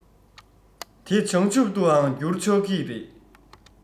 དེ བྱང ཆུབ ཏུའང བསྒྱུར ཆོག གི རེད